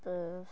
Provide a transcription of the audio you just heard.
Bydd.